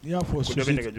I y'a fɔ bɛ